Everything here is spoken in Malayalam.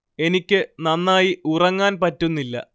എനിക്ക് നന്നായി ഉറങ്ങാൻ പറ്റുന്നില്ല